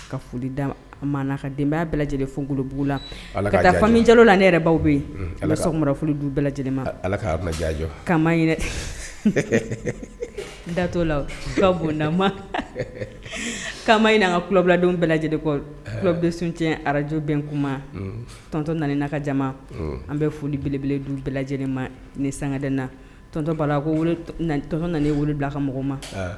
Ka foli da ma ka denbaya bɛɛ lajɛlen fkolo bbugu la dafami jalo na ne yɛrɛ baw bɛ a bɛ foli bɛɛ lajɛlenma ala da'o la gabon kama in an ka kuladenw bɛɛ lajɛlen kɔ kulobe sunti ara arajo bɛ kuma tɔntɔ na na ka jama an bɛ foli belebele du bɛɛ lajɛlen ma ni sangad na tɔntɔba ko tɔn na wolo bila ka mɔgɔw ma